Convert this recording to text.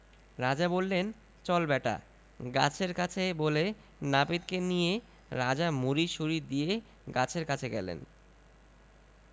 রাজা বললেন চল ব্যাটা গাছের কাছে বলে নাপিতকে নিয়ে রাজা মুড়িসুড়ি দিয়ে গাছের কাছে গেলেন